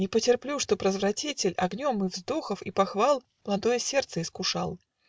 Не потерплю, чтоб развратитель Огнем и вздохов и похвал Младое сердце искушал